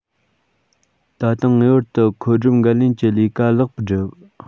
ད དུང ངེས པར དུ མཁོ སྒྲུབ འགན ལེན གྱི ལས ཀ ལེགས པར བསྒྲུབས